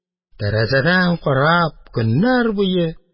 Тәрәзәдән карап көннәр буе